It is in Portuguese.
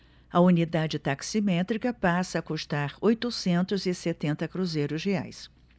a unidade taximétrica passa a custar oitocentos e setenta cruzeiros reais